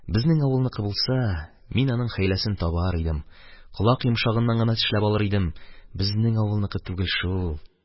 Безнең авылныкы булса, мин аның хәйләсен табар идем, колак йомшагыннан гына тешләп алыр идем, безнең авылныкы түгел шул.